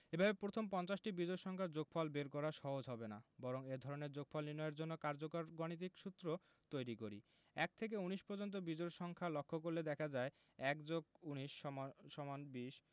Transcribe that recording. এভাবে প্রথম পঞ্চাশটি বিজোড় সংখ্যার যোগফল বের করা সহজ হবে না বরং এ ধরনের যোগফল নির্ণয়ের জন্য কার্যকর গাণিতিক সূত্র তৈরি করি ১ থেকে ১৯ পর্যন্ত বিজোড় সংখ্যা লক্ষ করলে দেখা যায় ১+১৯=২০